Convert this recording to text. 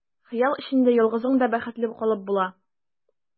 Хыял эчендә ялгызың да бәхетле калып була.